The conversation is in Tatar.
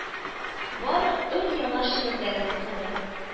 Бары өр-яңа шигырьләрең укыды